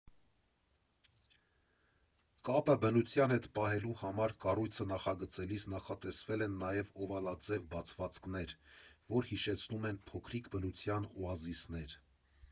Կապը բնության հետ պահելու համար կառույցը նախագծելիս նախատեսվել են նաև օվալաձև բացվածքներ, որ հիշեցնում են փոքրիկ բնության օազիսներ։